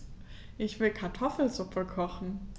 Ich will Kartoffelsuppe kochen.